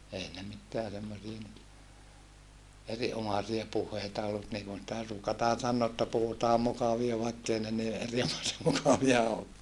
ei ne mitään semmoisia nyt erinomaisia puheita ollut mutta niin kuin sitä ruukataan sanoa jotta puhutaan mukavia vaikka ei ne niin erinomaisen mukavia olekaan